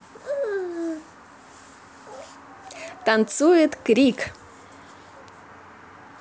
танцует крик